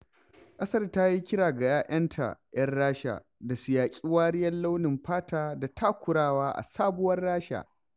ƙasar ta yi kira ga 'ya'yanta ('yan ƙasa) da su yaƙi wariyar launin fata da takurawa a sabuwar Rasha.